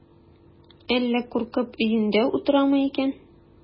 Әллә куркып өендә утырамы икән?